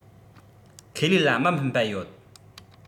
ཁེ ལས ལ མི ཕན པ ཡོད